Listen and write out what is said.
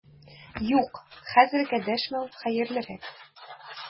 Юк, хәзергә дәшмәү хәерлерәк!